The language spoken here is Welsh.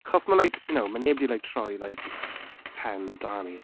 Achos mae like, you know, mae neb 'di like troi like pen Dami.